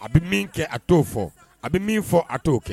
A bɛ min kɛ a t'o fɔ a bɛ min fɔ a t'o kɛ